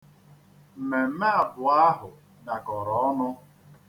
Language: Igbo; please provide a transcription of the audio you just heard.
Mmemme abụọ ahụ dakọrọ ọnụ.